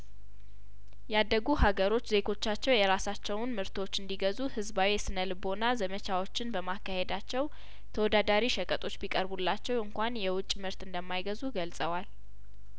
ያደጉ ሀገሮች ዜጐቻቸው የራሳቸውን ምርቶች እንዲ ገዙ ህዝባዊ የስነ ልቦና ዘመቻዎችን በማካሄዳቸው ተወዳዳሪ ሸቀጦች ቢቀርቡላቸው እንኳን የውጭምርት እንደማይገዙ ገልጸዋል